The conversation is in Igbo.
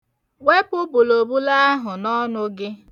Wepu bùlòbulo ahụ n'ọnụ gị!